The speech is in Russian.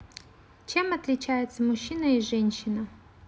чем отличается мужчина и женщина